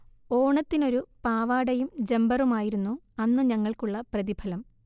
ഓണത്തിനൊരു പാവാടയും ജംബറുമായിരുന്നു അന്നു ഞങ്ങൾക്കുള്ള പ്രതിഫലം